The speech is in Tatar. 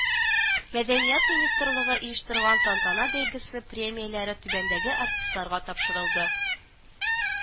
Мәдәният министрлыгы оештырган Тантана бәйгесе премияләре түбәндәге артистларга тапшырылды